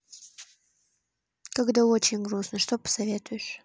когда очень грустно что посоветуешь